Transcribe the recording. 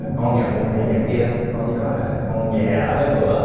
con giận này giận kia đâu con chỉ nói là con về ở mấy bữa